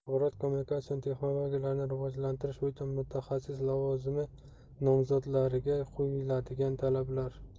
axborot kommunikatsion texnologiyalar ni rivojlantirish bo'yicha mutaxassis lavozimi nomzodlariga qo'yiladigan talablar